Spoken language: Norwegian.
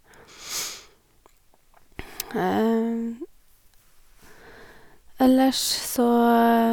Ellers så...